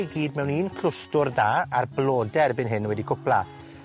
i gyd mewn un clwstwr da, a'r blode erbyn hyn wedi cwpla.